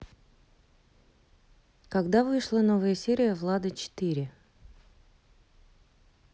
когда вышла новая серия влада четыре